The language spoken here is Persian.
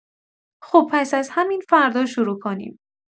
خب پس از همین فردا شروع کنیم!